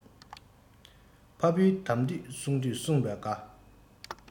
ཕ བུའི དམ ཚིག བསྲུང དུས བསྲུངས པ དགའ